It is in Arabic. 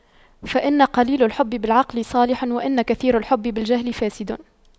فإن قليل الحب بالعقل صالح وإن كثير الحب بالجهل فاسد